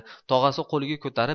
tog'asi qo'liga ko'tarib